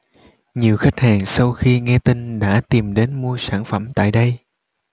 nhiều khách hàng sau khi nghe tin đã tìm đến mua sản phẩm tại đây